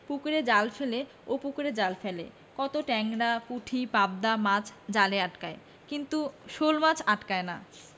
এ পুকুরে জাল ফেলে ও পুকুরে জাল ফেলে কত টেংরা পুঁটি পাবদা মাছ জালে আটকায় কিন্তু শােলমাছ আর আটকায় না